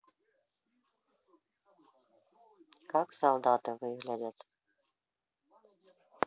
как солдаты выглядят